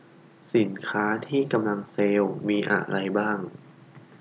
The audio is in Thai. สินค้าที่กำลังเซลล์มีอะไรบ้าง